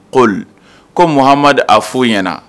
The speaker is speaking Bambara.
Paul ko muhamadu a foyi ɲɛnaana